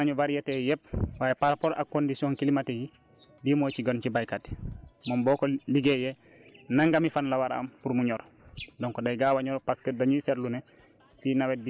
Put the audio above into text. te si loolu la ñu sukkandiku après ñu ne ah seet nañu variété yëpp waaye par rapport ak condition climatique yi lii moo ci gën ci béykat yi moom boo ko liggéeyee nangami fan la war a am pour mu ñor